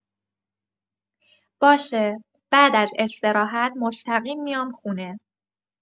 باشه، بعد از استراحت مستقیم میام خونه.